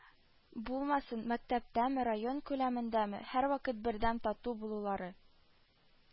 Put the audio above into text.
Булмасын, мәктәптәме, район күләмендәме, һәрвакыт бердәм, тату булулары